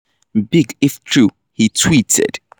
"Big if true," he tweeted.